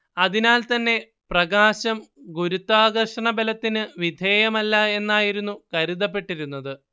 അതിനാൽത്തന്നെ പ്രകാശം ഗുരുത്വാകർഷണബലത്തിന് വിധേയമല്ല എന്നായിരുന്നു കരുതപ്പെട്ടിരുന്നത്